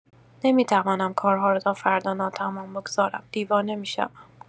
نمی‌توانم کارها را تا فردا ناتمام بگذارم؛ دیوانه می‌شوم!